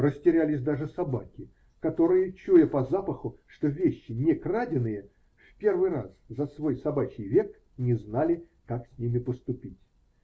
растерялись даже собаки, которые, чуя по запаху, что вещи не краденые, в первый раз за свой собачий век не знали, как с ними поступить.